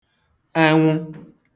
enwụ